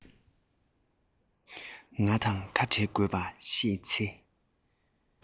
ང དང ཁ འབྲལ དགོས པ ཤེས ཚེ